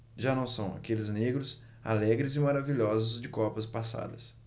já não são aqueles negros alegres e maravilhosos de copas passadas